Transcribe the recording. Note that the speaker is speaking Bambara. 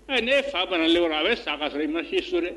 N'e fa banalen wa a bɛ sa ka sɔrɔ i ma so dɛ